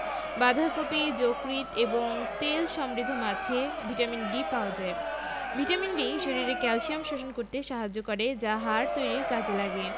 বাঁধাকপি যকৃৎ এবং তেল সমৃদ্ধ মাছে ভিটামিন D পাওয়া যায় ভিটামিন D শরীরে ক্যালসিয়াম শোষণ করতে সাহায্য করে যা হাড় তৈরীর কাজে লাগে